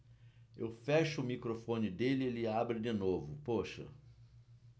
eu fecho o microfone dele ele abre de novo poxa